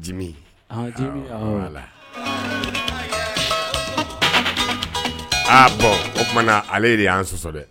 aa bon o tuma na ale de y'an sɔrɔ yen